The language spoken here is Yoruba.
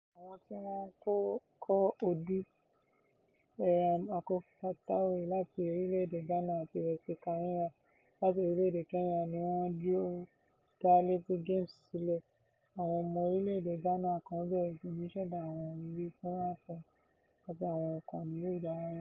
Àwọn tí wọ́n ń kọ odù, Eyram Akorfa Tawiah láti orílẹ̀ èdè Ghana àti Wesley Kirinya láti orílẹ̀ èdè Kenya ni wọ́n jọ dá Leti Games sílẹ̀, ọmọ orílẹ̀ èdè Ghana kan bẹ̀rẹ̀ sí ní ṣẹ̀dá àwọn eré fún IPhone àti àwọn ìkànnì eré ìdárayá yókù.